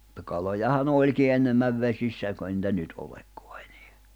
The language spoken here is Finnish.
mutta kalojahan olikin enemmän vesissä ei kai niitä nyt olekaan enää